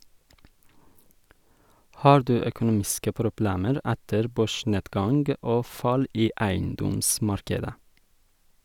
- Har du økonomiske problemer etter børsnedgang og fall i eiendomsmarkedet?